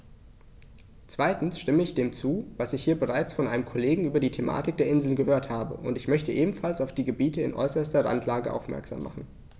Zweitens stimme ich dem zu, was ich hier bereits von einem Kollegen über die Thematik der Inseln gehört habe, und ich möchte ebenfalls auf die Gebiete in äußerster Randlage aufmerksam machen.